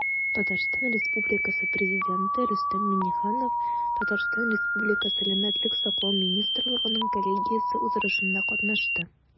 Татарстан Республикасы Президенты Рөстәм Миңнеханов ТР Сәламәтлек саклау министрлыгының коллегиясе утырышында катнашты.